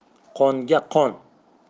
qonga qon